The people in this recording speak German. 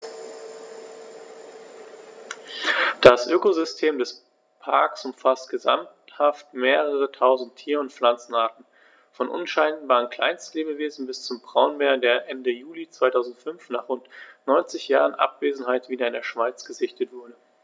Das Ökosystem des Parks umfasst gesamthaft mehrere tausend Tier- und Pflanzenarten, von unscheinbaren Kleinstlebewesen bis zum Braunbär, der Ende Juli 2005, nach rund 90 Jahren Abwesenheit, wieder in der Schweiz gesichtet wurde.